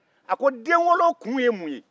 a ko denwolo kun ye mun ye